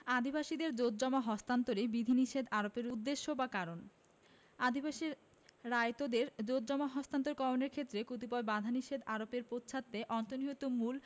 আদিবাসীদের জোতজমা হস্তান্তরে বিধিনিষেধ আরোপের উদ্দেশ্য বা কারণ আদিবাসী রায়তদের জোতজমা হস্তান্তর করণের ক্ষেত্রে কতিপয় বিধিনিষেধ আরোপের পশ্চাতে অন্তর্নিহিত মূল